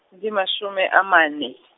di mashome a mane.